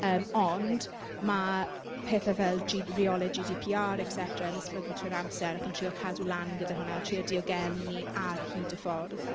Yym ond ma' pethe fel ji- reolau GDPR et cetera yn esblygu trwy'r amser ac yn trio cadw lan gyda hwnna. A trio diogelu ni ar hyd y ffordd.